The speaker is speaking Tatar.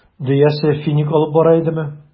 Дөясе финик алып бара идеме?